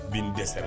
Bin dɛsɛ